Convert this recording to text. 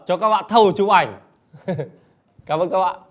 cho các bạn tha hồ chụp ảnh cảm ơn các bạn